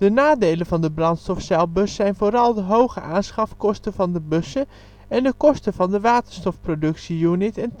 nadelen van de brandstofcelbus zijn vooral de hoge aanschafkosten van de bussen en de kosten van de waterstofproductie-unit